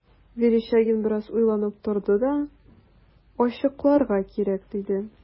Верещагин бераз уйланып торды да: – Ачыкларга кирәк,– диде.